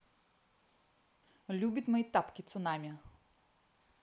любит мои тапки цунами